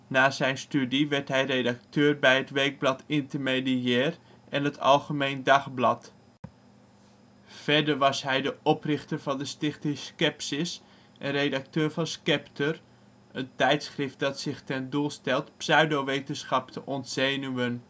Na zijn studie werd hij redacteur bij het weekblad Intermediair en het Algemeen Dagblad. Verder was hij de oprichter van de Stichting Skepsis en redacteur van Skepter, een tijdschrift dat zich ten doel stelt pseudowetenschap te ontzenuwen